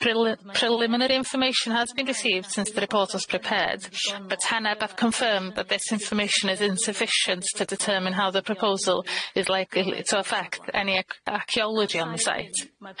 preli- preliminair information has been received since the report was prepared but heneb have confirmed that this information is insufficient to determine how the proposal is likely to affect any ac- archaeology on the site.